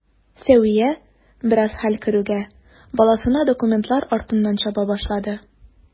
Сәвия, бераз хәл керүгә, баласына документлар артыннан чаба башлады.